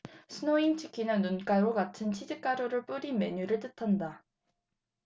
스노윙 치킨은 눈가루 같은 치즈 가루를 뿌린 메뉴를 뜻한다